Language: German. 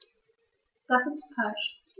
Das ist falsch.